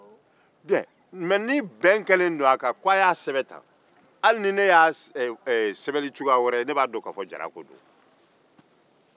mɛ ni bɛn kɛlen don a kan k'a y'a sɛbɛn tan hali ni ne y'a sɛbɛn cogo wɛrɛ la ne b'a dɔn ko jara ko don